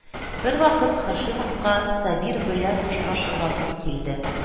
Бервакыт Һашимовка Сабир белән очрашырга туры килде